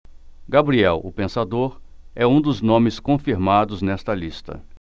gabriel o pensador é um dos nomes confirmados nesta lista